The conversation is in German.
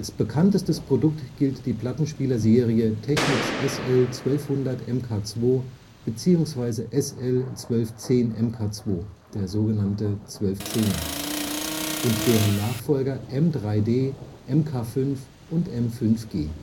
bekanntestes Produkt gilt die Plattenspieler-Serie Technics SL-1200MK2 bzw. SL-1210 MK2 („ Zwölfzehner “) und deren Nachfolger M3D, MK5 und M5G